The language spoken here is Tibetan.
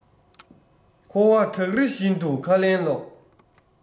འཁོར བ བྲག རི བཞིན དུ ཁ ལན སློག